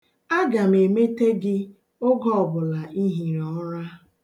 Aga m emete gị oge ọbụla i hiri ụra.